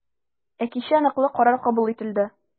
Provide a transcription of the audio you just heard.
Ә кичә ныклы карар кабул ителде.